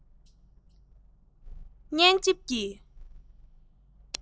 སྙན འཇེབས ཀྱི